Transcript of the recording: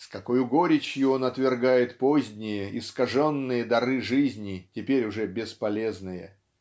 с какою горечью он отвергает поздние искаженные дары жизни теперь уже бесполезные.